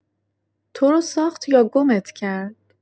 تو رو ساخت یا گمت کرد؟